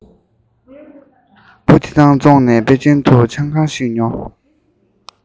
འབུ འདི དག བཙོངས ནས པེ ཅིན དུ ཆང ཁང ཞིག ཉོ